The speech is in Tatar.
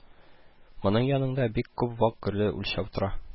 Моның янында бик күп вак герле үлчәү тора